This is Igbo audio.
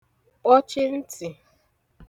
kpọchi ntì